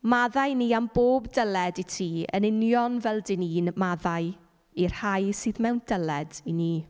Maddau ni am bob dyled i ti yn union fel dan ni'n maddau i'r rhai sydd mewn dyled i ni.